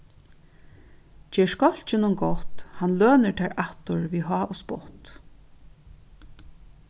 ger skálkinum gott hann lønir tær aftur við háð og spott